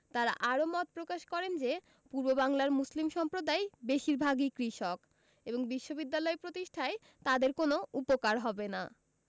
তাঁরা আরও মত প্রকাশ করেন যে পূর্ববাংলার মুসলিম সম্প্রদায় বেশির ভাগই কৃষক এবং বিশ্ববিদ্যালয় প্রতিষ্ঠায় তাদের কোনো উপকার হবে না